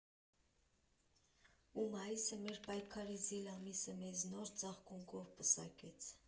Ու մայիսը՝ մեր պայքարի զիլ ամիսը, մեզ նոր ծաղկունքով պսակեց։